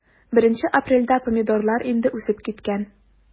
1 апрельдә помидорлар инде үсеп киткән.